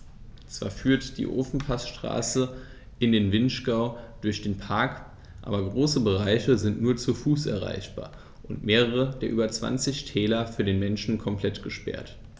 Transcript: Zwar führt die Ofenpassstraße in den Vinschgau durch den Park, aber große Bereiche sind nur zu Fuß erreichbar und mehrere der über 20 Täler für den Menschen komplett gesperrt.